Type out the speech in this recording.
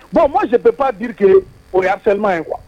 Bon mɔzɔnp pan birike o y'a fɛnlima ye kuwa